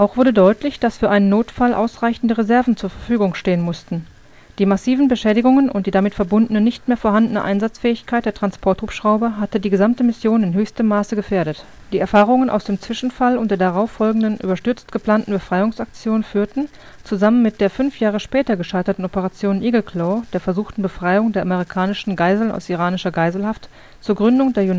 wurde deutlich, dass für einen Notfall ausreichende Reserven zur Verfügung stehen mussten. Die massiven Beschädigungen und die damit verbundene nicht mehr vorhandene Einsatzfähigkeit der Transporthubschrauber hatte die gesamte Mission in höchsten Maß gefährdet. Die Erfahrungen aus dem Zwischenfall und der darauf folgenden, überstürzt geplanten Befreiungsaktion führten, zusammen mit der fünf Jahre später gescheiterten Operation Eagle Claw, der versuchten Befreiung der amerikanischen Geiseln aus iranischer Geiselhaft, zur Gründung des United